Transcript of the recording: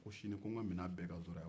ko sini ko n'ka minɛn bɛɛ ka n'sɔrɔ yan